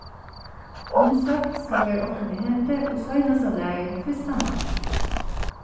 umsókn skal vera okkum í hendi í seinasta lagi fyrsta mars